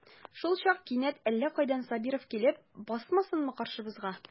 Шулчак кинәт әллә кайдан Сабиров килеп басмасынмы каршыбызга.